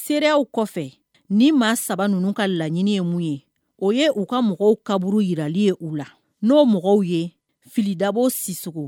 Seereyaw kɔfɛ ni maa saba ninnu ka laɲini ye mun ye o ye u ka mɔgɔw kaburu jirali ye u la n'o mɔgɔw ye fili dabo si sugu